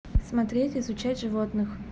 смотреть изучать животных